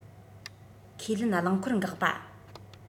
ཁས ལེན རླངས འཁོར འགག པ